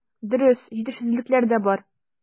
Дөрес, җитешсезлекләр дә бар.